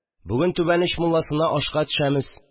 Бүген түбән оч мулласына ашка төшәмез